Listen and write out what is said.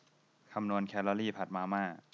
คำนวณแคลอรี่ผัดมาม่า